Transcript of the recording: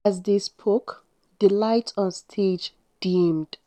As they spoke, the lights on the stage dimmed.